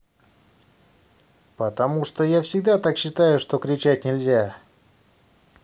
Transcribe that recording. потому что я всегда так считаю что кричать нельзя